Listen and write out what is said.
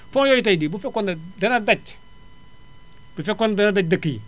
fonds yooyu tey jii bu fekkoon ne dana daj bu fekkoon dana daj dëkk yi